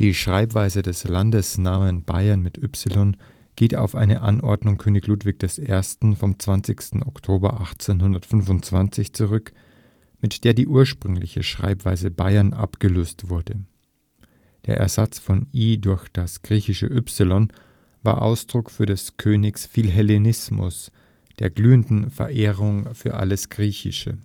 Schreibweise des Landesnamens Bayern mit „ y “geht auf eine Anordnung König Ludwigs I. vom 20. Oktober 1825 zurück, mit der die ursprüngliche Schreibweise „ Baiern “abgelöst wurde. Der Ersatz von „ i “durch das „ griechische ypsilon “war Ausdruck für des Königs Philhellenismus, der glühenden Verehrung für alles Griechische